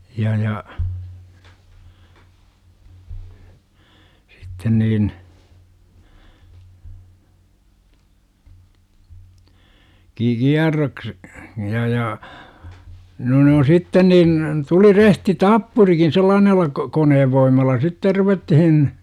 ja ja sitten niin -- ja ja no ne on sitten niin tuli rehti tappurikin sellaisella - koneen voimalla sitten ruvettiin